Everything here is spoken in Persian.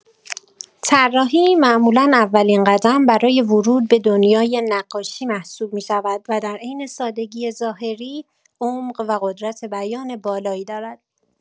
طراحی معمولا اولین قدم برای ورود به دنیای نقاشی محسوب می‌شود و در عین سادگی ظاهری، عمق و قدرت بیان بالایی دارد.